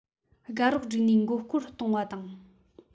དགའ རོགས བསྒྲིགས ནས མགོ སྐོར གཏོང བ དང